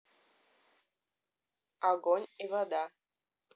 огонь и вода